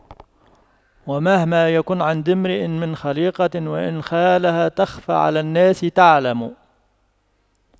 ومهما يكن عند امرئ من خَليقَةٍ وإن خالها تَخْفَى على الناس تُعْلَمِ